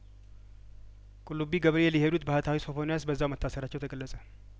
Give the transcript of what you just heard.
ቁልቢ ገብርኤል የሄዱት ባህታዊ ሶፎንያስ በዚያው መታሰራቸው ተገለጸ